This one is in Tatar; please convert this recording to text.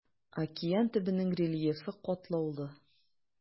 Океан төбенең рельефы катлаулы.